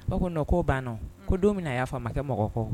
O ko ko banna ko don na a y'a fa kɛ mɔgɔ kɔ